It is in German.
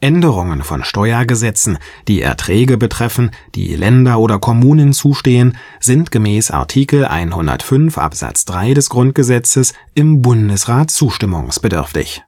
Änderungen von Steuergesetzen, die Erträge betreffen, die Länder oder Kommunen zustehen, sind gemäß Art. 105 Abs. 3 GG im Bundesrat zustimmungsbedürftig